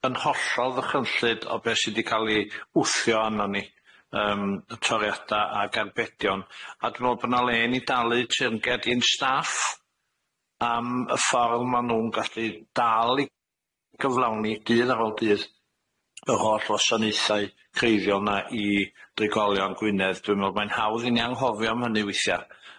Yn hollol ddychrynllyd o be' sy 'di ca'l 'i wthio arnon ni. Yym y toriada' ag arbedion a dwi me'wl bo' 'na len i ni dalu teyrnged i'n staff am y ffordd ma' nw'n gallu dal i gyflawni dydd ar ôl dydd, y holl wasanaethau creiddiol 'na i drigolion Gwynedd. Dwi me'wl mae'n hawdd i ni anghofio am hynny weithia.